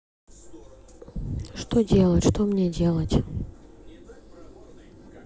что делать что мне делать